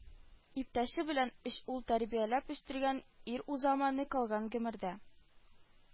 Иптәше белән өч ул тәрбияләп үстергән ир узаманы калган гомердә